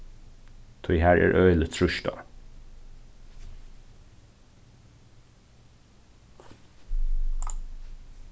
tí har er øgiligt trýst á